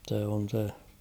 se on se